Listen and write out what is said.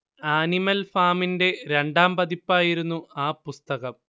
animal ഫാമിന്റെ രണ്ടാം പതിപ്പായിരുന്നു ആ പുസ്തകം